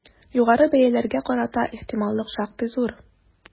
Югары бәяләргә карата ихтималлык шактый зур.